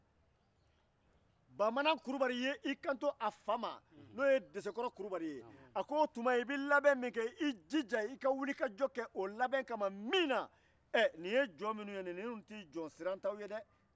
baamana kulu y'i kanto a fa ma ko n'a bɛ labɛn min k'a ka wuli k'o kɛ sabu ko nin tɛ jɔn sirantaw ye